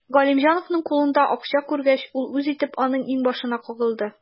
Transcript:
Галимҗановның кулында акча күргәч, ул үз итеп аның иңбашына кагылды.